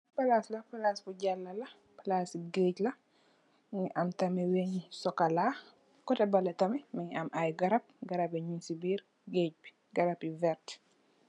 Palase bi palas si jamu la palasi guage la, mungi am tamit lu melni sokola. Koteh beleh mungi amm ay garap, garap nyung ci birr guage bi garap yu verta.